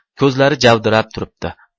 ko'zlari javdirab turibdi